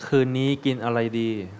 คืนนี้กินอะไรดี